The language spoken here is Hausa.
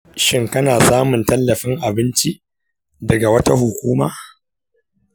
shin kana samun tallafin abinci daga wata hukuma?